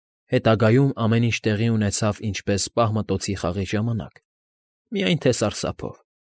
Հետագայում ամեն ինչ տեղի ունեցավ ինչպես պահմտոցի խաղի ժամանակ, միայն թե սարսափով։